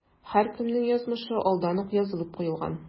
Һәркемнең язмышы алдан ук язылып куелган.